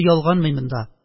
Ялганмый монда